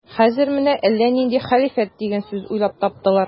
Хәзер менә әллә нинди хәлифәт дигән сүз уйлап таптылар.